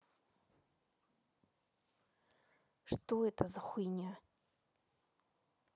что это за хуйня